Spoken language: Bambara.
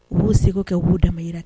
U b'u seko kɛ u b'u damayira